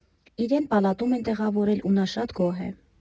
Իրեն պալատում են տեղավորել ու նա շատ գոհ է։